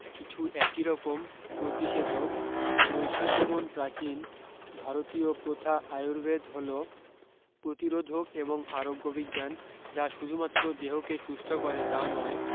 কিছু একিরকম প্রতিষেধক নৈশজীবন প্রাচীন ভারতীয় প্রথা আয়ুর্বেদ হল প্রতিরোধক ও আরোগ্যবিজ্ঞান যা শুধুমাত্র দেহকে সুস্থ করে তা নয়